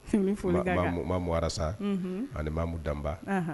Mara sa animu danba